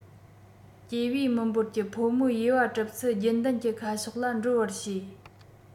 སྐྱེ བའི མི འབོར གྱི ཕོ མོའི དབྱེ བ གྲུབ ཚུལ རྒྱུན ལྡན གྱི ཁ ཕྱོགས ལ འགྲོ བར བྱེད